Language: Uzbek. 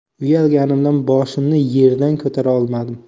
uyalganimdan boshimni yerdan ko'tara olmadim